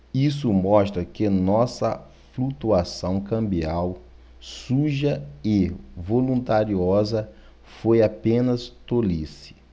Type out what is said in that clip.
isso mostra que nossa flutuação cambial suja e voluntariosa foi apenas tolice